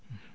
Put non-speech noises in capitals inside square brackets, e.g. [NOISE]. [HESITATION]